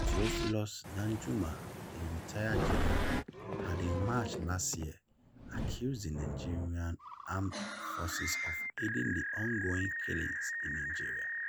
Theophilus Danjuma, a retired general, had in March last year accused "the Nigerian armed forces of aiding the ongoing killings in Nigeria".